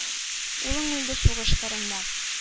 Улың үлде сугыш кырында.